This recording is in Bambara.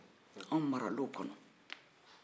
anw marala o kɔnɔ